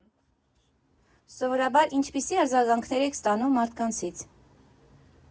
Սովորաբար ինչպիսի՞ արձագանքներ եք ստանում մարդկանցից։